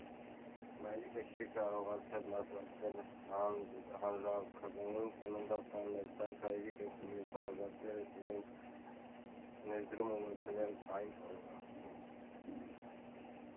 Մայրիկս չի կարողացել մասնակցել հանրաքվեին՝ ծննդատանն էր, բայց հայրիկս և մյուս հարազատներս իրենց ներդրումն ունեցել են այդ օրվան։